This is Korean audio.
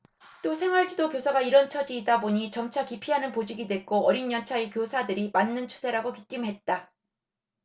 또 생활지도 교사가 이런 처지이다 보니 점차 기피하는 보직이 됐고 어린 연차의 교사들이 맡는 추세라고 귀띔했다